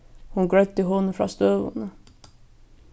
hon greiddi honum frá støðuni